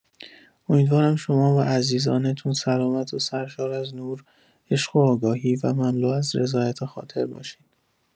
امیدوارم شما و عزیزانتون سلامت و سرشار از نور، عشق و آگاهی و مملو از رضایت خاطر باشین